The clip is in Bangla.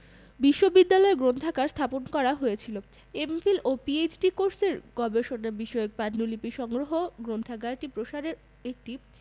বিশ্ববিদ্যালয় গ্রন্থাগার স্থাপন করা হয়েছিল এম.ফিল ও পিএইচ.ডি কোর্সের গবেষণা বিষয়ক পান্ডুলিপির সংগ্রহ গ্রন্থাগারটি প্রসারের একটি